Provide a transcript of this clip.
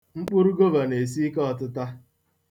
Mkpụrụ gova na-esi ike ọtịta.